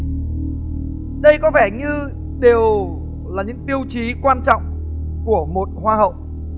đây có vẻ như đều là những tiêu chí quan trọng của một hoa hậu